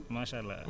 macha allah